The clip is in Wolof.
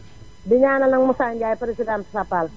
di ñaanal nag Moussa ñdiaye président Fapal